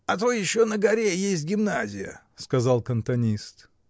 — А то еще на горе есть гимназия. — сказал кантонист.